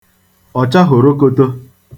ọ̀chahòrokōtō